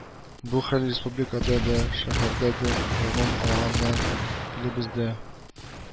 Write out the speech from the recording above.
Бу хәл республикада да, шәһәрдә дә, гомум алганда, илебездә